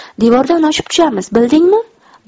devordan oshib tushamiz bildingmi